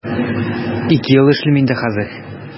Ике ел эшлим инде хәзер.